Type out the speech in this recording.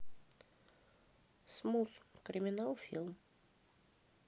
смус криминал фильм